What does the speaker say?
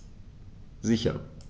Sicher.